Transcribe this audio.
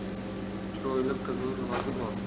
chiroyli qizning nozi bor